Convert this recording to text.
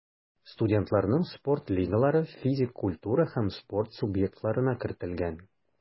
Студентларның спорт лигалары физик культура һәм спорт субъектларына кертелгән.